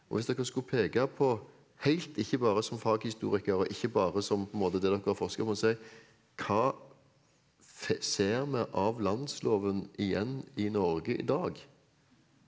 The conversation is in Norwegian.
og hvis dere skulle peke på heilt ikke bare som faghistoriker og ikke bare som på en måte det dere har forsket på men si hva ser vi av landsloven igjen i Norge i dag?